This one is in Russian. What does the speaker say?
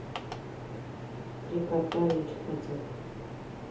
три кота лечат котят